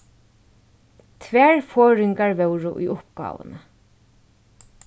tvær forðingar vóru í uppgávuni